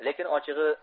lekin ochig'i